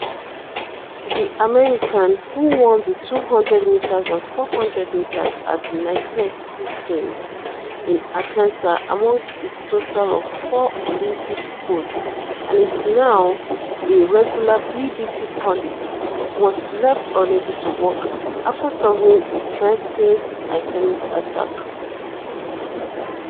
The American, who won the 200 meters and 400 meters at the 1996 Games in Atlanta among his total of four Olympic golds and is now a regular BBC pundit, was left unable to walk after suffering a transient ischemic attack.